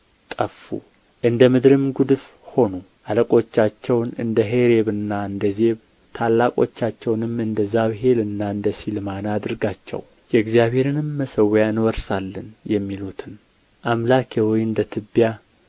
ጠፉ እንደ ምድርም ጕድፍ ሆኑ አለቆቻቸውን እንደ ሔሬብና እንደ ዜብ ታላላቆቻቸውንም እንደ ዛብሄልና እንደ ስልማና አድርጋቸው የእግዚአብሔርን መሠዊያ እንወርሳለን የሚሉትን አምላኬ ሆይ እንደ ትቢያ